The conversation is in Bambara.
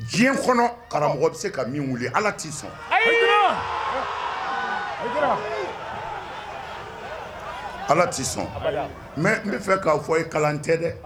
Diɲɛ kɔnɔ karamɔgɔ bɛ se ka min wuli ala t'i sɔn ala t tɛi sɔn n bɛa fɛ k'a fɔ i kalan tɛ dɛ